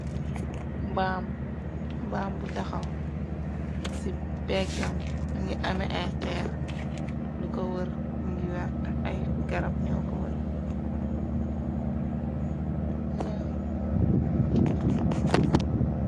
Mbaam bu taxaw ci béggam. Mu ngi amé ay xeer lu ko wër bu ngi wert ay garab ñoo ko wër.